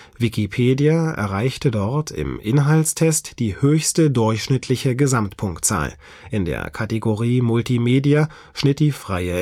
Wikipedia erreichte dort im Inhaltstest die höchste durchschnittliche Gesamtpunktzahl, in der Kategorie Multimedia schnitt die freie